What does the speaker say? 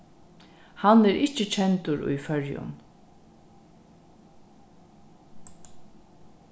hann er ikki kendur í føroyum